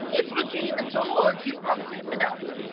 It's Regina George, you can't sit with us!